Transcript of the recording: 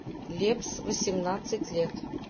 лепс восемнадцать лет